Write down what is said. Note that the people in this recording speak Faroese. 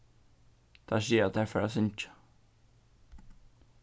teir siga at teir fara at syngja